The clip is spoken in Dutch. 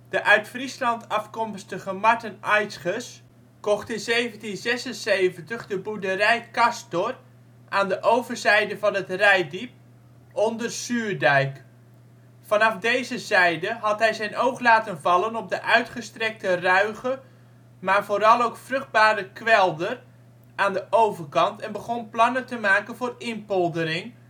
De uit Friesland afkomstige Marten Aedges kocht in 1776 de boerderij Castor aan de overzijde van het Reitdiep onder Zuurdijk. Vanaf deze zijde had hij zijn oog laten vallen op de uitgestrekte ruige, maar vooral ook vruchtbare kwelder aan de overkant en begon plannen te maken voor inpoldering